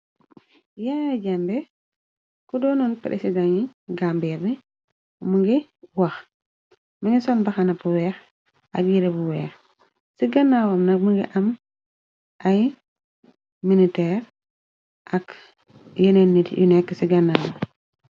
Yaaye jambe ko doonoon presiden i gambeerni mu ngi wax mi ngi soon baxanabu weex ak yéree bu weex ci gannawam na minga am ay miniteer ak yeneen nit yu nekk ci gannawam.